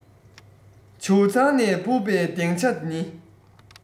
བྱེའུ ཚང ནས འཕུར པའི གདེང ཆ ནི